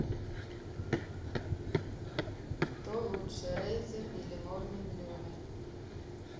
кто лучше рейзер или morning люмин